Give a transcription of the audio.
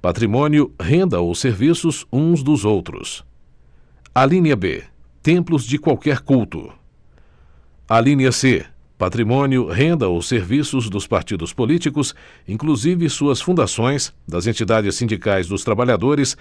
patrimônio renda ou serviços uns dos outros alínea b templos de qualquer culto alínea c patrimônio renda ou serviços dos partidos políticos inclusive suas fundações das entidades sindicais dos trabalhadores